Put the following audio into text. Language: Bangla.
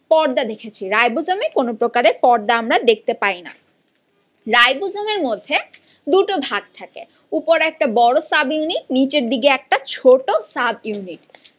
পর্দা দেখেছি রাইবোজোম এ কোন প্রকারের পর্দা আমরা দেখতে পাই না রাইবোজোম এর মধ্যে দুটো ভাগ থাকে উপরে একটা বড় সাব ইউনিট নিচের দিকে একটা ছোট সাব ইউনিট